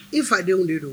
I fa denw de don